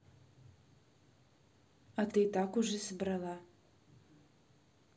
а ты и так уже собрала